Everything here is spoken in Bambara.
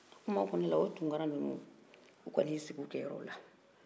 kuma kɔnɔna na o tunkara ninnu u kɔni ye sigi kɛ yɔrɔw la